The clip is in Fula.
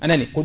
anani